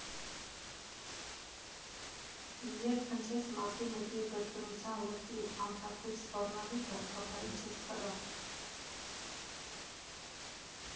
Ու երբ հնչեց մարտի մեկի կրկնության լկտի, անթաքույց սպառնալիքը, կափարիչս թռավ։